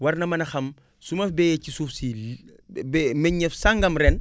war na mën a xam su ma bayee ci suuf sii nii ba meññeef sangam ren